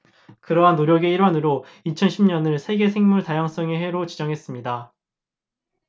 그러한 노력의 일환으로 이천 십 년을 세계 생물 다양성의 해로 지정했습니다